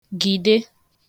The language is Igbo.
gìde